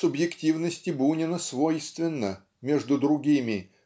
субъективности Бунина свойственно между другими